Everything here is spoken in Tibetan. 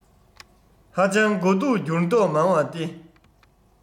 ཧ ཅང དགའ སྡུག འགྱུར ལྡོག མང བ སྟེ